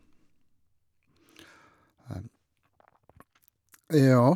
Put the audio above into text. Ja.